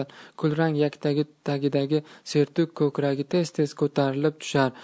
kulrang yaktagi tagidagi sertuk ko'kragi tez tez ko'tarilib tushar